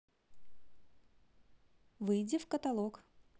выйди в каталог